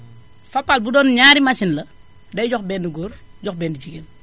Fapal bu doon ñaari machines la day jox benn góor jox benn jigéen